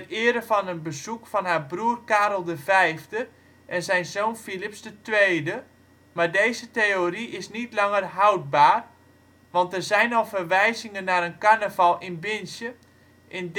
ere van een bezoek van haar broer Karel V en zijn zoon Filips II, maar deze theorie is niet langer houdbaar, want er zijn al verwijzingen naar een carnaval in Binche in 1395